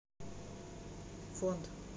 фонд